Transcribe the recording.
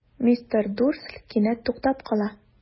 Мистер Дурсль кинәт туктап калды.